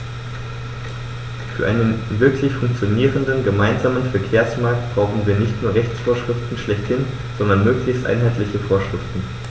Für einen wirklich funktionierenden gemeinsamen Verkehrsmarkt brauchen wir nicht nur Rechtsvorschriften schlechthin, sondern möglichst einheitliche Vorschriften.